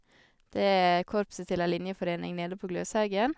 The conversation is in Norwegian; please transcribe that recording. Det er korpset til ei linjeforening nede på Gløshaugen.